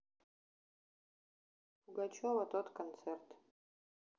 пугачева тот концерт